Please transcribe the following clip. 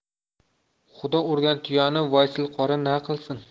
xudo urgan tuyani vaysulqora na qilsin